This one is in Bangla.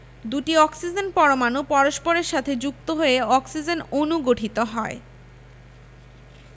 দুটি অক্সিজেন পরমাণু পরস্পরের সাথে যুক্ত হয়ে অক্সিজেন অণু গঠিত হয়